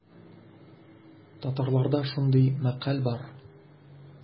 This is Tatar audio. Татарларда шундый мәкаль бар.